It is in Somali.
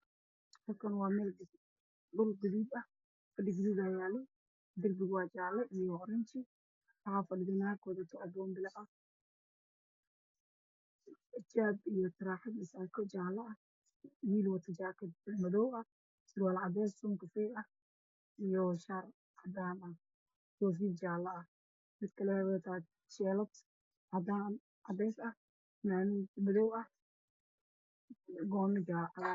Meeshan waxa iga muuqda labo gabdhood iyo labo wiil waxey ku fadhiyan meel gaduud ah